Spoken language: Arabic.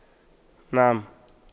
نعم